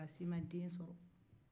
oluw si ma den sɔrɔ